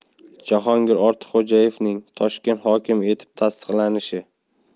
jahongir ortiqxo'jayevning toshkent hokimi etib tasdiqlanishi